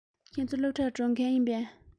ཁྱེད ཚོ སློབ གྲྭར འགྲོ མཁན ཡིན པས